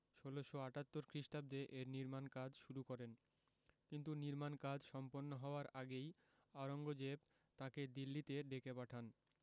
১৬৭৮ খ্রিস্টাব্দে এর নির্মাণ কাজ শুরু করেন কিন্তু নির্মাণ কাজ সম্পন্ন হওয়ার আগেই আওরঙ্গজেব তাঁকে দিল্লিতে ডেকে পাঠান